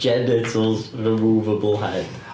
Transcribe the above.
Genitals, removable head.